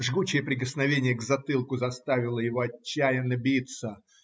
Жгучее прикосновение к затылку заставило его отчаянно биться.